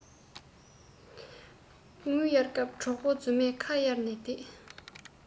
དངུལ གཡར སྐབས གྲོགས པོ རྫུན མས ཁ གཡར ནས བསྡད